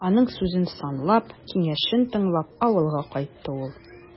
Аның сүзен санлап, киңәшен тыңлап, авылга кайтты ул.